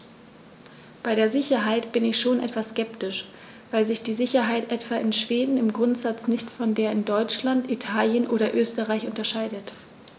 Bei der Sicherheit bin ich schon etwas skeptisch, weil sich die Sicherheit etwa in Schweden im Grundsatz nicht von der in Deutschland, Italien oder Österreich unterscheidet.